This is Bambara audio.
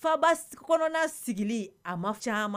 Faba sigi kɔnɔna sigilen a ma fɔ ma